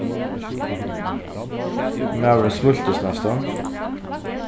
maðurin smíltist næstan